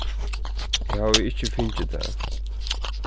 eg havi ikki fingið tað